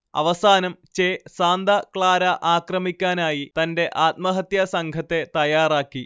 അവസാനം Che Santa Clara ആക്രമിക്കാനായി തന്റെ ആത്മഹത്യാ സംഘത്തെ തയ്യാറാക്കി